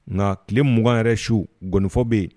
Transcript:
Nka tile mugan yɛrɛ su gɔnifɔ bɛ yen